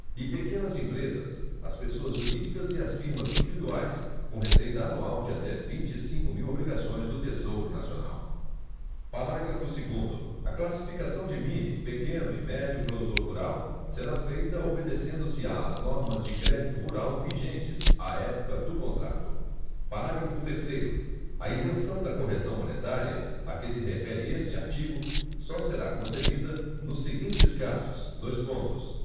e pequenas empresas as pessoas jurídicas e as firmas individuais com receita anual de até vinte e cinco mil obrigações do tesouro nacional parágrafo segundo a classificação de mini pequeno e médio produtor rural será feita obedecendo se às normas de crédito rural vigentes à época do contrato parágrafo terceiro a isenção da correção monetária a que se refere este artigo só será concedida nos seguintes casos dois pontos